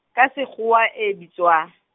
ka sekgoa e bitswang?